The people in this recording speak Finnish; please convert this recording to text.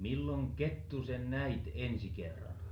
milloin Kettusen näit ensi kerran